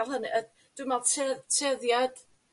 ca'l hynny yy dwi me'l tue- tueddiad